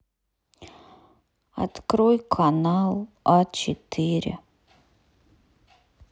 открой канал а четыре